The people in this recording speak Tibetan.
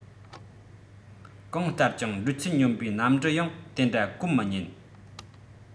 གང ལྟར ཀྱང འགྲོས ཚད སྙོམ པའི གནམ གྲུ ཡང དེ འདྲ བཀོད མི ཉན